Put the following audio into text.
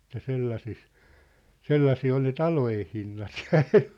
että sellaisessa sellaisia oli ne talojen hinnat ja ennen